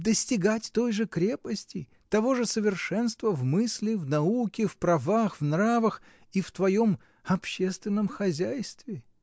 достигать той же крепости, того же совершенства в мысли, в науке, в правах, в нравах и в своем общественном хозяйстве.